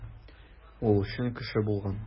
Ул чын кеше булган.